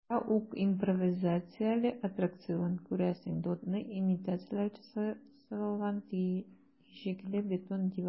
Монда ук импровизацияле аттракцион - күрәсең, дотны имитацияләүче сыгылган тишекле бетон дивар тора.